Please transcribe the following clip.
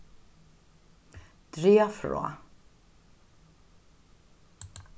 draga frá